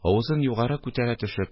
Авызын югары күтәрә төшеп